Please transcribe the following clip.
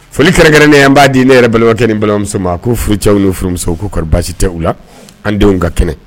Folikɛrɛnkɛrɛn ne an b'a di ne yɛrɛ balimabakɛ ni balimamuso ma a ko furu cɛww n niu furumuso ko basi tɛ u la an denw ka kɛnɛ